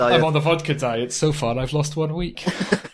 I'm on the vodka diet so far I've lost one week.